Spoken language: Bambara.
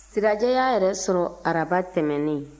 sirajɛ y'a yɛrɛ sɔrɔ araba tɛmɛnnen